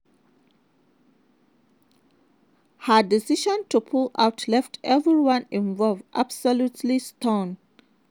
Her decision to pull out left everyone involved absolutely stunned.